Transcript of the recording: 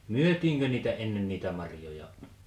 myytiinkö niitä ennen niitä marjoja